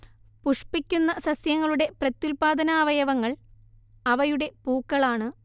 പുഷ്പിക്കുന്ന സസ്യങ്ങളുടെ പ്രത്യുല്പാദനാവയവങ്ങൾ അവയുടെ പൂക്കളാണ്